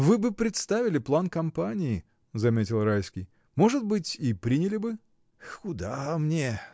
— Вы бы представили план кампании, — заметил Райский, — может быть, и приняли бы. — Куда мне!